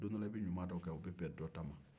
dondɔ la i bɛ ɲuman dɔ kɛ o bɛ bɛn dɔ ta ma